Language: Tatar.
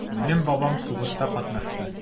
Минем бабам сугышта катнашты.